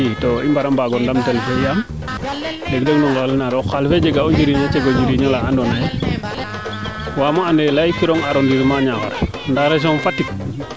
into i mbra mbaago ndam tel koy yaam wax deg no ngel ne roog xaal fe jega o njiriñ o jego njiriñola ando naye waamo ande ley kirong arrodissement Niakhar ndaa region Fatick